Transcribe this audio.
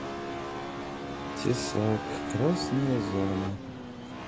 тесак красная зона